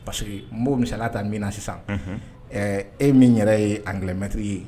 Parce que maaw misala ta min na sisan e min yɛrɛ ye an gɛlɛnlɛmɛt ye